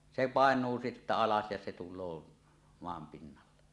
se painuu sitten alas ja se tulee maan pinnalle